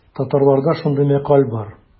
Татарларда шундый мәкаль бар.